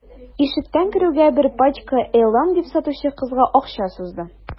Ишектән керүгә: – Бер пачка «LM»,– дип, сатучы кызга акча сузды.